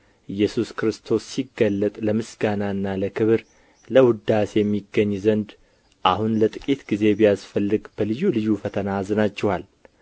ኢየሱስ ክርስቶስ ሲገለጥ ለምስጋናና ለክብር ለውዳሴም ይገኝ ዘንድ አሁን ለጥቂት ጊዜ ቢያስፈልግ በልዩ ልዩ ፈተና አዝናችኋል